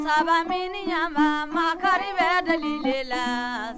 sabaminiyanba makari bɛ deli le la